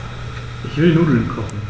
Ich will Nudeln kochen.